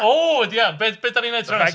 O! Ia, be dan ni'n neud tro nesa?